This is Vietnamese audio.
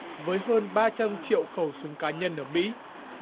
với hơn ba trăm triệu khẩu súng cá nhân ở mỹ